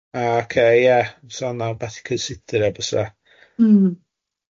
O ocê, ie, so hwnna'n bach y cysidre bysa... Mm.